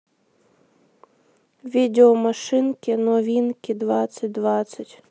видео машинки новинки двадцать двадцать